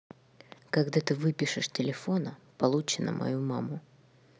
когда ты выпишешь телефона получена мою маму